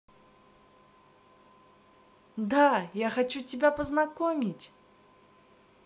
да я хочу тебя познакомить